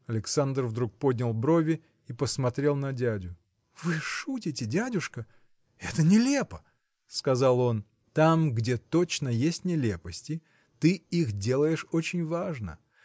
Александр вдруг поднял брови и посмотрел на дядю. – Вы шутите, дядюшка? это нелепо! – сказал он. – Там где точно есть нелепости ты их делаешь очень важно